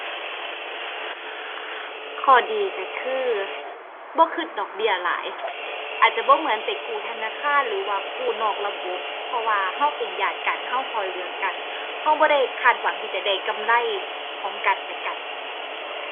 ข้อดีก็คือ บ่ก็ดอกเบี้ยหลาย อาจจะบ่เหมือนไปกู้ธนาคารหรือว่ากู้นอกระบบ เพราะว่าก็เป็นญาติกัน ก็ก็เหลือกัน ก็บ่ได้คาดหวังที่จะได้กำไรของกันและกัน